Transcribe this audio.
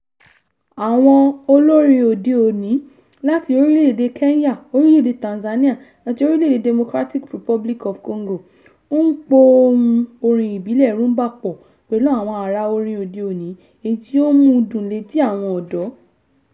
Àwọn olórin òde òní láti orílẹ̀ èdè Kenya, orílẹ̀ èdè Tanzania àti orílẹ̀ èdè Democratic Republic of Congo ń po ohùn orin ibile Rhumba pọ̀ pẹ̀lú àwọn àrà orin òde òní, èyí tí ó ń mú u dùn létí àwọn ọ̀dọ́.